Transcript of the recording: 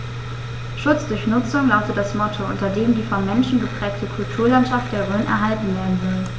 „Schutz durch Nutzung“ lautet das Motto, unter dem die vom Menschen geprägte Kulturlandschaft der Rhön erhalten werden soll.